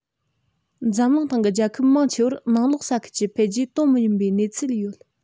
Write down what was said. འཛམ གླིང སྟེང གི རྒྱལ ཁབ མང ཆེ བར ནང ལོགས ས ཁུལ གྱི འཕེལ རྒྱས དོ མི མཉམ པའི གནས ཚུལ ཡོད